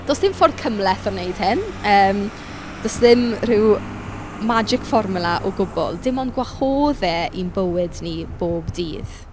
Does dim ffordd cymhleth o wneud hyn yym does dim rhyw magic formula o gwbl dim ond gwahodd e i'n bywyd ni bob dydd.